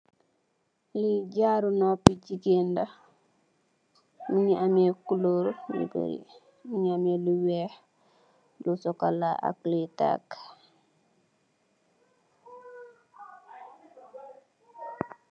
Li jaaru nopi jigeen la mogi ameh colur yu bari mogi ameh lu weex lu chocola ak lui taka.